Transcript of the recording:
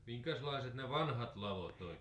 minkäslaiset ne vanhat ladot oli